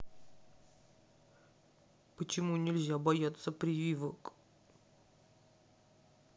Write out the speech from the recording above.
почему нельзя бояться прививок